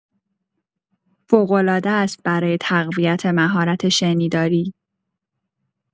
فوق العادست برای تقویت مهارت شنیداری